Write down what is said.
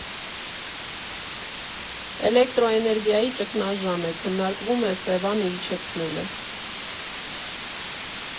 Էլեկտրոէներգիայի ճգնաժամ է, քննարկվում է Սևան իջեցնելը։